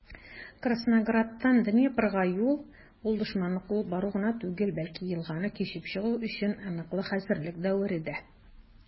Краснограддан Днепрга юл - ул дошманны куып бару гына түгел, бәлки елганы кичеп чыгу өчен ныклы хәзерлек дәвере дә.